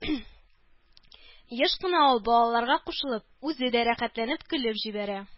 Еш кына ул, балаларга кушылып, үзе дә рәхәтләнеп көлеп җибәрә.